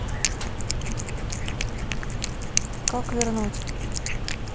как вернуть